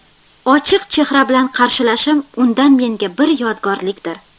ochiq chehra bilan qarshilashim undan menga bir yodgordir